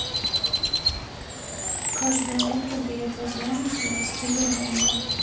каждое утро дает возможность обрести гармонию